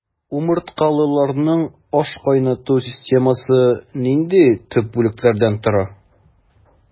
Умырткалыларның ашкайнату системасы нинди төп бүлекләрдән тора?